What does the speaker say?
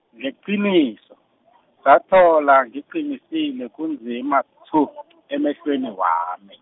ngeqiniso, sathola ngiqinisile kunzima tshu, emehlweni wami.